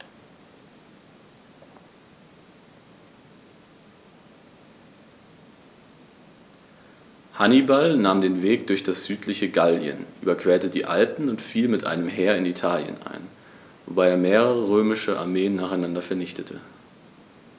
Hannibal nahm den Landweg durch das südliche Gallien, überquerte die Alpen und fiel mit einem Heer in Italien ein, wobei er mehrere römische Armeen nacheinander vernichtete.